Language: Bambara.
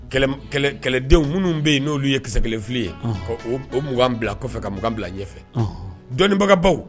Kɛlɛdenw minnu bɛ yen n'olu ye kisɛsɛ1 fili ye, ɔhɔn, o 20 bila kɔfɛ ka 20 bila ɲɛfɛ, ɔnhɔn, dɔnnibagabaw